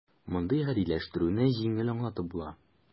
Мондый "гадиләштерү"не җиңел аңлатып була: